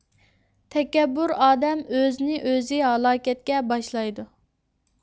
تەكەببۇر ئادەم ئۆزىنى ئۆزى ھالاكەتكە باشلايدۇ